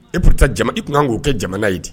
E i tun k'o kɛ jamana ye di